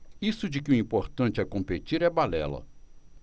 isso de que o importante é competir é balela